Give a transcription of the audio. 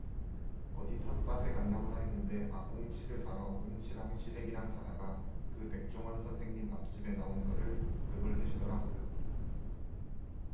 어디 텃밭에 갔나보다 했는데 아 꽁치를 사러 가서 꽁치랑 시래기랑 사다가 그 백종원 선생님 밥집에 나온 거를 그걸 해주더라고요